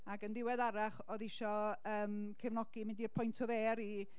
Ac yn ddiweddarach, oedd isio yym cefnogi mynd i'r Point of Ayre i...